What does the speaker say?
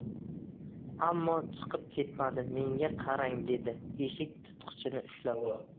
ammo chiqib ketmadi menga qarang dedi eshik tutqichini ushlab